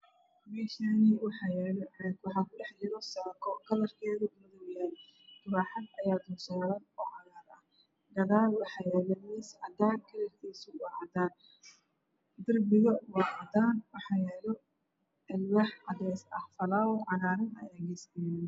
Meeshaan waxaa yaalo caag waxaa ku dhex jiro saako kalarkeedu uu yahay Madow taraaxad ayaa dulsaaran oo cadaan ah. Gadaal waxaa yaalo miis cadaan ah darbiga waa cadaan waxaa yaalo alwaax cadeys ah. falaawar cagaaran ayaa miiska saaran.